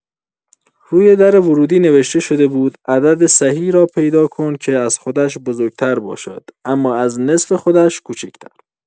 روی در ورودی نوشته شده بود: «عدد صحیحی را پیدا کن که از خودش بزرگ‌تر باشد اما از نصف خودش کوچک‌تر!»